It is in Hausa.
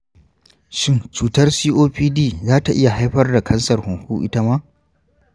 shin cutar copd za ta iya haifar da kansar huhu ita ma?